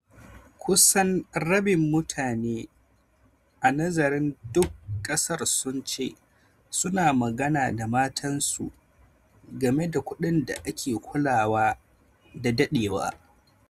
Kusan rabin mutane a nazarin duk kasar sun ce su na magana da matansu game da kudin da ake kulawa da dadewa.